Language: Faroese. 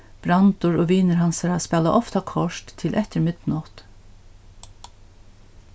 brandur og vinir hansara spæla ofta kort til eftir midnátt